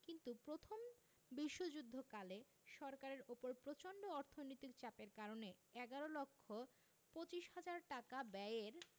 কিন্তু প্রথম বিশ্বযুদ্ধকালে সরকারের ওপর প্রচন্ড অর্থনৈতিক চাপের কারণে এগারো লক্ষ পচিশ হাজার টাকা ব্যয়ের